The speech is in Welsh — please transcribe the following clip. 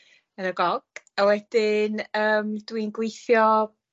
Yn y gog. A wedyn yym dwi'n gweithio